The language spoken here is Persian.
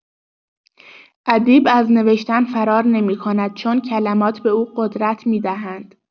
ادیب از نوشتن فرار نمی‌کند چون کلمات به او قدرت می‌دهند.